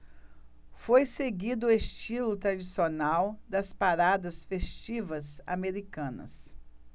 foi seguido o estilo tradicional das paradas festivas americanas